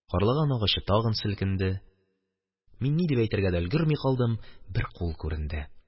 Карлыган агачы тагын селкенде, мин ни дип әйтергә дә өлгерми калдым, бер кул күренде